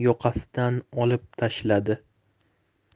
yoqasidan olib tashladi